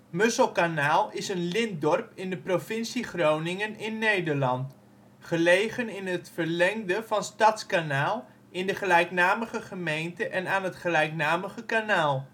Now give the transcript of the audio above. Muzzelknoal) is een lintdorp in de provincie Groningen (Nederland), gelegen in het verlengde van Stadskanaal in de gelijknamige gemeente en aan het gelijknamige kanaal